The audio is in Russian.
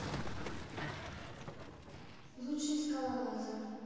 лучшие скалолазы